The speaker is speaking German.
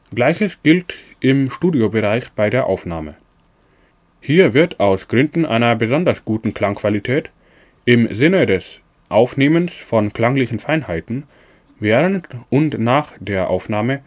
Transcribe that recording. Gleiches gilt im Studiobereich bei der Aufnahme. Hier wird aus Gründen einer besonders guten Klangqualität (im Sinne des Aufnehmens von klanglichen Feinheiten) während und nach der Aufnahme